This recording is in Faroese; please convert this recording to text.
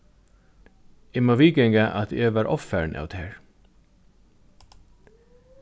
eg má viðganga at eg var ovfarin av tær